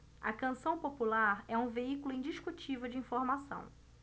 a canção popular é um veículo indiscutível de informação